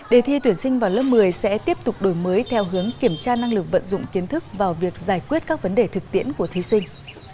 đề thi tuyển sinh vào lớp mười sẽ tiếp tục đổi mới theo hướng kiểm tra năng lực vận dụng kiến thức vào việc giải quyết các vấn đề thực tiễn của thí sinh